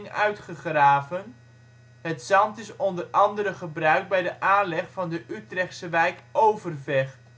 uitgegraven: het zand is onder andere gebruikt bij de aanleg van de Utrechtse wijk Overvecht